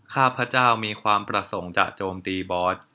ข้าพเจ้ามีความประสงค์จะโจมตีบอส